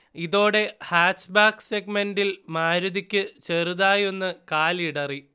ഇതോടെ ഹാച്ച്ബാക്ക് സെഗ്മന്റെിൽ മാരുതിക്ക് ചെറുതായൊന്ന് കാലിടറി